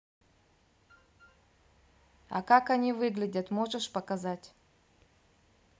а как они выглядят можешь показать